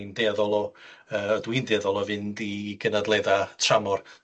ni'n dueddol o yy dwi'n dueddol o fynd i gynadledda' tramor